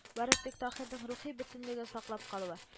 Бары тик таһирның рухи бөтенлеген саклап калуы